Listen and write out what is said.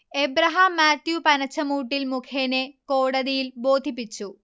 ഏബ്രഹാം മാത്യു പനച്ചമൂട്ടിൽ മുഖേനെ കോടതിയിൽ ബോധിപ്പിച്ചു